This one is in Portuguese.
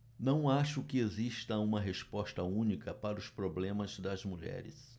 não acho que exista uma resposta única para os problemas das mulheres